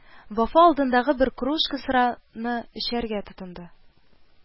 Вафа алдындагы бер кружка сыраны эчәргә тотынды